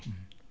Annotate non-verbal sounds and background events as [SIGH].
[HESITATION] [HESITATION]